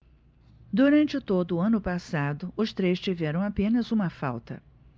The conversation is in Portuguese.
durante todo o ano passado os três tiveram apenas uma falta